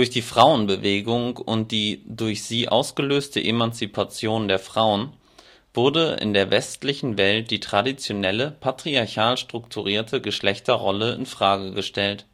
die Frauenbewegung und die durch sie ausgelöste Emanzipation der Frauen wurden in der westlichen Welt die traditionelle patriarchal strukturierte Geschlechterrollen in Frage gestellt